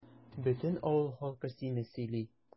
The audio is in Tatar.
Бөтен авыл халкы сине сөйли.